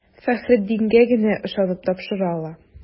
Фәхреддингә генә ышанып тапшыра ала.